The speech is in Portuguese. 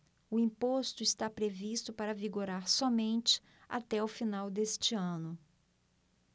o imposto está previsto para vigorar somente até o final deste ano